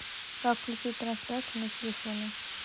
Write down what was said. как включить трансляцию на телефоне